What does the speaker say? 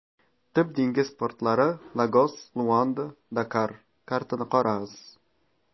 Төп диңгез портлары - Лагос, Луанда, Дакар (картаны карагыз).